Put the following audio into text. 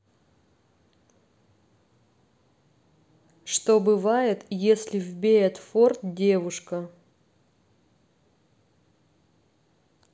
что бывает если в beat форт девушка